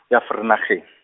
ya Vereeniging.